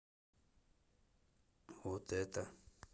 вот это